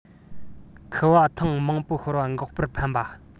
ཁུ བ ཐེངས མང པོ ཤོར བ འགོག པར ཕན པ ཡོད